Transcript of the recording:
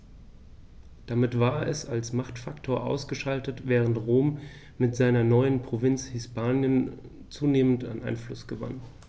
Damit war es als Machtfaktor ausgeschaltet, während Rom mit seiner neuen Provinz Hispanien zunehmend an Einfluss gewann.